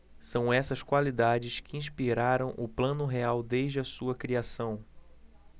são essas qualidades que inspiraram o plano real desde a sua criação